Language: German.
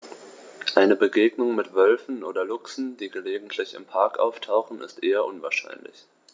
Eine Begegnung mit Wölfen oder Luchsen, die gelegentlich im Park auftauchen, ist eher unwahrscheinlich.